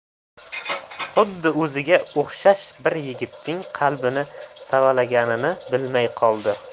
xuddi o'ziga o'xshash bir yigitning qalbini savalaganini bilmay qoldi